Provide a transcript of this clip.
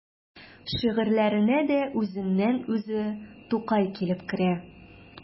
Шигырьләренә дә үзеннән-үзе Тукай килеп керә.